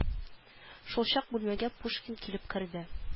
Шулчак бүлмәгә пушкин килеп керде